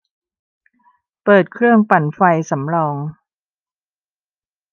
เปิดเครื่องปั่นไฟสำรอง